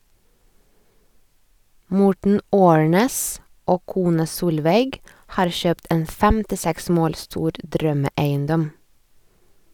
Morten Aarnes og kona Solveig har kjøpt en 56 mål stor drømmeeiendom.